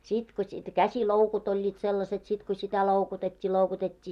sitten kun sitten käsiloukut olivat sellaiset sitten kun sitä loukutettiin loukutettiin